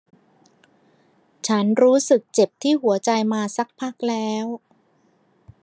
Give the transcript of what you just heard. ฉันรู้สึกเจ็บที่หัวใจมาสักพักแล้ว